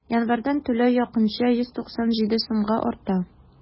Январьдан түләү якынча 197 сумга арта.